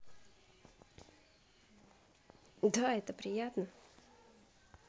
да это приятно